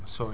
soño